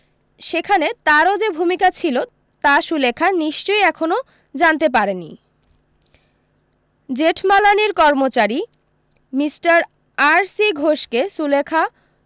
সেখানে তারও যে ভূমিকা ছিল তা সুলেখা নিশ্চয় এখনও জানতে পারে নি জেঠমালানির কর্মচারী মিষ্টার আর সি ঘোষকে সুলেখা